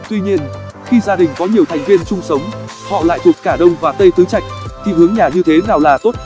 tuy nhiên khi gia đình có nhiều thành viên chung sống họ lại thuộc cả đông và tây tứ trạch thì hướng nhà như thế nào là tốt